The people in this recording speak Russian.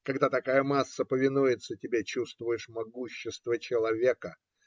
Когда такая масса повинуется тебе, чувствуешь могущество человека.